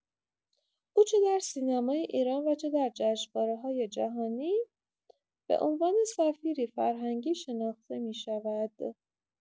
او چه در سینمای ایران و چه در جشنواره‌های جهانی به عنوان سفیری فرهنگی شناخته می‌شود.